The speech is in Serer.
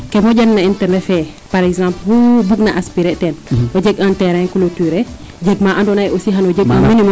kee moƴan na in te refee par exemple nu bug na aspirer teen o jeg un terrain cloturer jeg ma ando naye aussi xano jeg au minimum